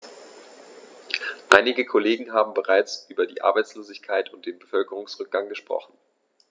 Einige Kollegen haben bereits über die Arbeitslosigkeit und den Bevölkerungsrückgang gesprochen.